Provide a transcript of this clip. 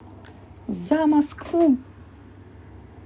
за москву